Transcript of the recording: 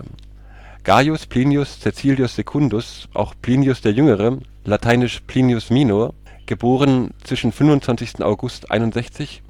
Gaius Plinius Caecilius Secundus, auch Plinius der Jüngere, lateinisch Plinius minor (* zwischen 25. August 61